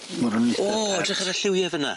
Ma' hwn yn itha...O edrych ar y lliwie fyn 'na.